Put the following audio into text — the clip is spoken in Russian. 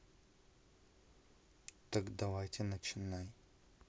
так давайте начинай